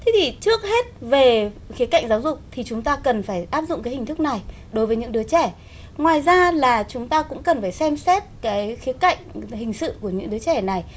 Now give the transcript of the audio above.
thế thì trước hết về khía cạnh giáo dục thì chúng ta cần phải áp dụng cái hình thức này đối với những đứa trẻ ngoài ra là chúng ta cũng cần phải xem xét cái khía cạnh hình sự của những đứa trẻ này